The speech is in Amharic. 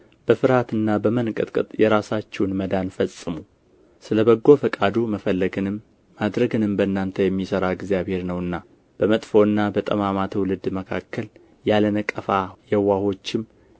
በፍርሃትና በመንቀጥቀጥ የራሳችሁን መዳን ፈጽሙ ስለ በጎ ፈቃዱ መፈለግንም ማድረግንም በእናንተ የሚሠራ እግዚአብሔር ነውና በመጥፎና በጠማማ ትውልድ መካከል ያለ ነቀፋ የዋሆችም